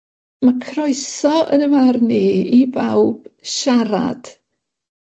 ma' croeso yn 'ym marn i i bawb siarad